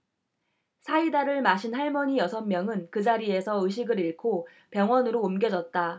사이다를 마신 할머니 여섯 명은 그 자리에서 의식을 잃고 병원으로 옮겨졌다